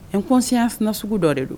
N kɔnsiya f sugu dɔ de don